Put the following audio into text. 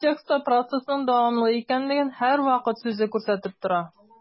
Бу текстта процессның дәвамлы икәнлеген «һәрвакыт» сүзе күрсәтеп тора.